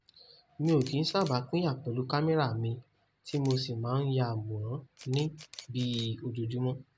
Mi ò kìí sábà pínyà pẹ̀lú kámẹ́rà mi tí mo sì máa ń ya àwòrán ní bíi ojoojúmọ́.